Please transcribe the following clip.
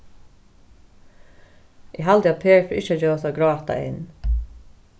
eg haldi at per fer ikki at gevast at gráta enn